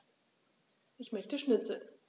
Ich möchte Schnitzel.